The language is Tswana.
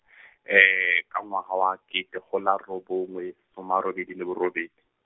ka ngwaga wa kete kgolo a robongwe, soma robedi le borobedi.